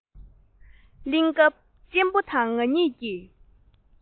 གླེང སྐབས གཅེན པོ དང ང གཉིས ཀྱིས